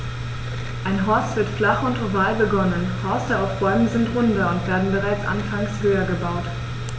Ein Horst wird flach und oval begonnen, Horste auf Bäumen sind runder und werden bereits anfangs höher gebaut.